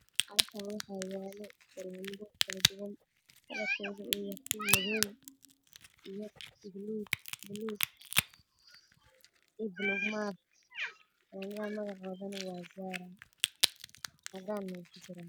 Halkan waxaa yaalla fanaanado midabkoodu yahay madow cadaan buluug oo saaran miis cadaan madow